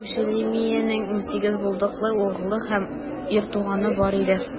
Мешелемиянең унсигез булдыклы углы һәм ир туганы бар иде.